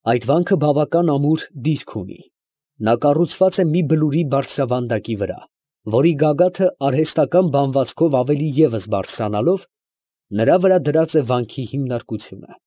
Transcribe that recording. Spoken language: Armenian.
Այդ վանքը բավական ամուր դիրք ունի. նա կառուցված է մի բլուրի բարձրավանդակի վրա, որի գագաթը արհեստական բանվածքով ավելի ևս բարձրանալով, նրա վրա դրած է վանքի հիմնարկությունը։